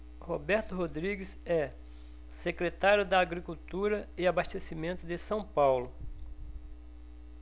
roberto rodrigues é secretário da agricultura e abastecimento de são paulo